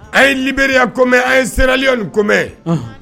A ye briya kɔm mɛn a ye siranliya kɔ mɛn